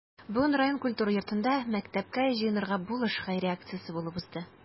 Бүген район культура йортында “Мәктәпкә җыенырга булыш” хәйрия акциясе булып узды.